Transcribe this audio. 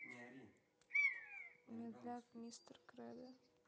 медляк мистер кредо